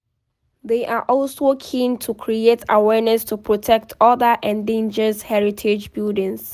They are also keen to create awareness to protect other endangered heritage buildings.